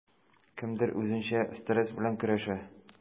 Кемдер үзенчә стресс белән көрәшә.